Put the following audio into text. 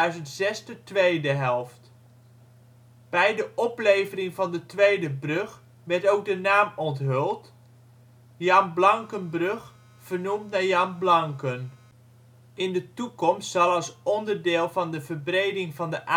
de tweede helft. Bij de oplevering van de 2e brug werd ook de naam onthuld (Jan Blankenbrug vernoemd naar Jan Blanken). In de toekomst zal als onderdeel van de verbreding van de A27